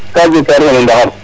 Ka jeg ka refna no ndaxar ,